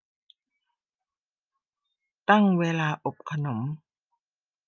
ตั้งเวลาอบขนม